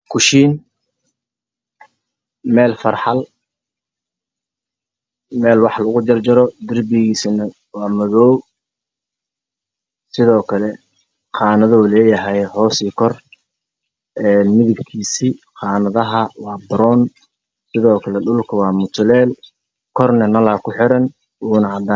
Kushiin meel fara xal meel wax lagu jar jaro darbigiisane waa madoow sidoo kale qaanaduu leeyahay kor iyo hoos midab ka qaanadaha waa baroown sido kle dhulka waa mutuleel korne waxaa ku xiran nal cadaan ah